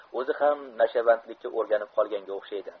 o'zi ham nashavandlikka o'rganib qolganga o'xshaydi